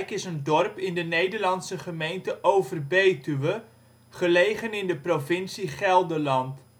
is een dorp in de Nederlandse gemeente Overbetuwe, gelegen in de provincie Gelderland